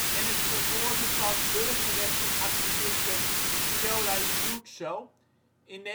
en het vermoorden van burgerrechtenactiviste Viola Liuzzo in